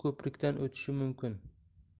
ko'prikdan o'tishi mumkin